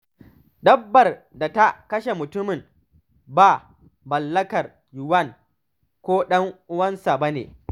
Dabbar da ta kashe mutumin ba mallakar Yuan ko ɗan uwan nasa ba ne.